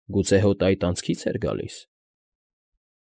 Գուցե հոտը այդ անցքի՞ց էր գալիս։